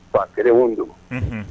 Fakɛwo don